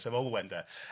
Sef Olwen de.